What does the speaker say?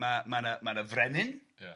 Ma' ma' na ma' na frenin, ia,